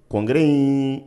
Congrès in